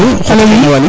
alo oui